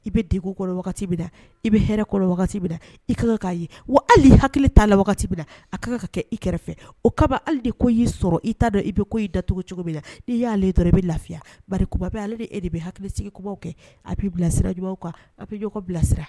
I bɛ diko kɔ wagati bɛ na i bɛ h kɔ wagati i k'a ye wa hali hakili t'a la wagati na a ka ka kɛ i kɛrɛfɛ o kaba ale de ko y'i sɔrɔ i t' dɔn i bɛ ko' dacogo cogo min na i y'ale dɔrɔn i bɛ lafiyabe ale e de bɛ hakili sigibaw kɛ a b'i bilasira kan a bilasira